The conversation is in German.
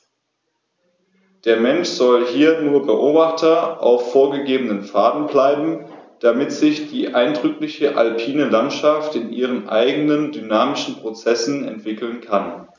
Der Mensch soll hier nur Beobachter auf vorgegebenen Pfaden bleiben, damit sich die eindrückliche alpine Landschaft in ihren eigenen dynamischen Prozessen entwickeln kann.